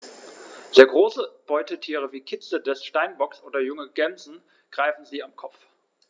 Sehr große Beutetiere wie Kitze des Steinbocks oder junge Gämsen greifen sie am Kopf.